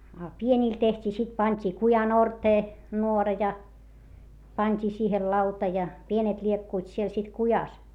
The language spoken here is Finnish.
a pienille tehtiin sitten pantiin kujan orteen nuora ja pantiin siihen lauta ja pienet liekkuivat siellä sitten kujassa